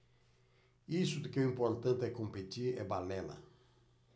isso de que o importante é competir é balela